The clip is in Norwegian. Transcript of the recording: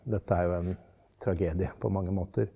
dette er jo en tragedie på mange måter.